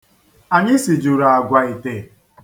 Anyị sijuru àgwà ite.